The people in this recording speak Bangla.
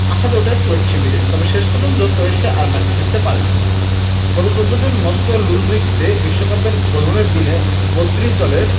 আশা জাগে ক্রোট শিবিরে তবে শেষ পর্যন্ত ক্রোয়েশিয়া আর ম্যাচে ফিরতে পারেনি গত ১৪ জুন মস্কোর লুঝনিকিতে বিশ্বকাপের বোধনের দিনে ৩২ দলের